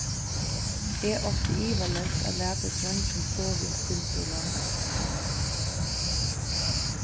eg átti ivaleyst at latið dreingin sovið eitt sindur longur